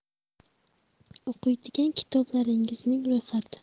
o'qiydigan kitoblaringizning ro'yxati